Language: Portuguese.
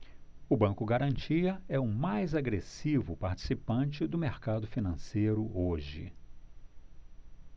o banco garantia é o mais agressivo participante do mercado financeiro hoje